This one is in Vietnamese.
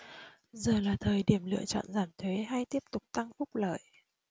giờ là thời điểm lựa chọn giảm thuế hay tiếp tục tăng phúc lợi